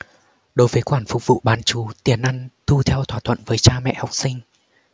đối với khoản phục vụ bán trú tiền ăn thu theo thỏa thuận với cha mẹ học sinh